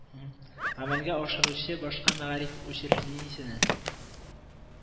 Гамәлгә ашыручы башка мәгариф учреждениесенә